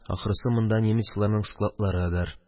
Ахрысы, монда немецларның складларыдыр